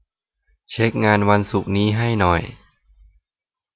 เช็คงานวันศุกร์นี้ให้หน่อย